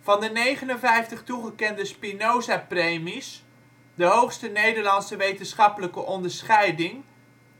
Van de 59 toegekende Spinozapremies (de hoogste Nederlandse wetenschappelijke onderscheiding)